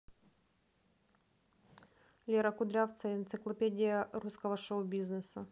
лера кудрявцева энциклопедия русского шоу бизнеса